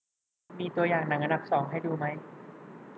มีตัวอย่างหนังอันดับสองให้ดูไหม